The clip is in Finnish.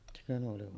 sekö Nuolivaara